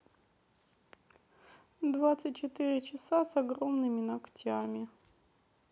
двадцать четыре часа с огромными ногтями